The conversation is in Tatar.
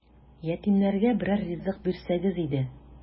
Ятимнәргә берәр ризык бирсәгез иде! ..